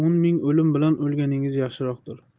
o'n ming o'lim bilan o'lganingiz yaxshiroqdir